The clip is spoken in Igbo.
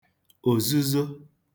New dialectal variation